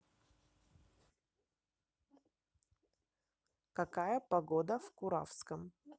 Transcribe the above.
какая погода в куравском